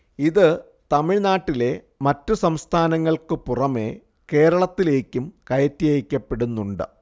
ഇത് തമിഴ്നാട്ടിലെ മറ്റു സംസ്ഥാനങ്ങൾക്കു പുറമേ കേരളത്തിലേക്കും കയറ്റി അയക്കപ്പെടുന്നുണ്ട്